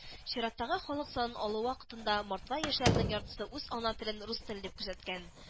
Ираттагы халык санын алу вакытында мордва яшьләренең яртысы үз ана телен рус теле дип күрсәткән. ю